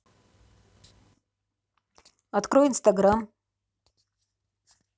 открой инстаграм